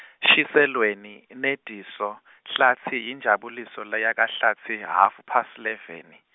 Shiselweni, Nediso , Hlatsi yiNjabuliso leya kaHlatsi hhafuphasi leveni.